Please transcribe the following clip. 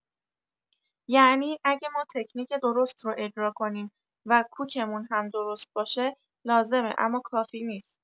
یعنی اگه ما تکنیک درست رو اجرا کنیم و کوکمون هم درست باشه، لازمه اما کافی نیست.